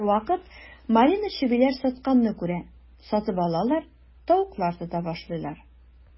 Ә бервакыт Марина чебиләр сатканны күрә, сатып алалар, тавыклар тота башлыйлар.